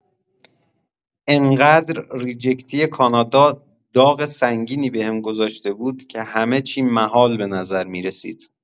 انقدر ریجکتی کانادا داغ سنگینی بهم گذاشته بود که همه چی مهال به نظر می‌رسید